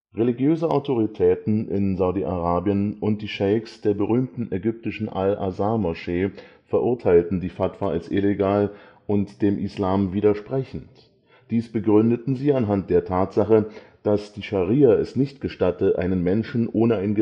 Religiöse Autoritäten in Saudi-Arabien und die Scheiks der berühmten ägyptischen Al-Azhar-Moschee verurteilten die Fatwa als illegal und dem Islam widersprechend. Dies begründeten sie anhand der Tatsache, dass die Scharia es nicht gestatte, einen Menschen ohne ein